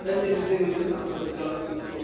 be os ti jyst ddim yn cydnabod y ghost o gwbl?